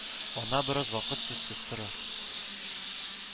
Ана бераз вакыт сүзсез тора